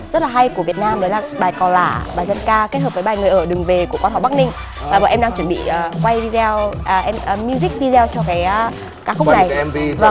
rất là hay của việt nam đó là bài cò lả bài dân ca kết hợp với bài người ở đừng về của quan họ bắc ninh và bọn em đang chuẩn bị quay vi deo miu dích vi deo cho cái ca khúc này vâng